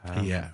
Ie.